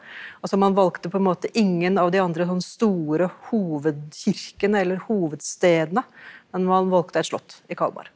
altså man valgte på en måte ingen av de andre så store hovedkirkene eller hovedstedene, men man valgte et slott i Kalmar.